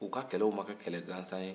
u ka kɛlɛw ma kɛ kɛlɛ gansanw ye